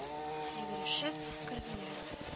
Йөгерешеп керделәр